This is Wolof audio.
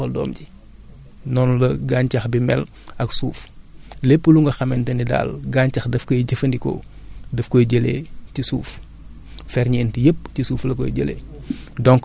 du munul nàmpal doom ji noonu la gàncax bi mel ak suuf lépp lu nga xamante ni daal gàncax daf koy jëfandikoo daf koy jëlee ci suuf ferñeent yépp ci suuf la koy jëlee